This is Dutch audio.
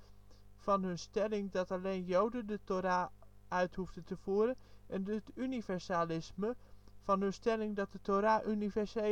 van hun stelling dat alleen joden de Thora uit hoefden te voeren, en het universalisme van hun stelling dat de Thora universele